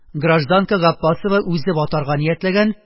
Гражданка Габбасова үзе батарга ниятләгән,